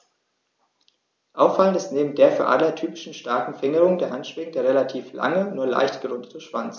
Auffallend ist neben der für Adler typischen starken Fingerung der Handschwingen der relativ lange, nur leicht gerundete Schwanz.